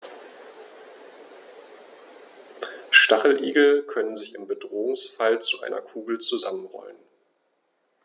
Stacheligel können sich im Bedrohungsfall zu einer Kugel zusammenrollen.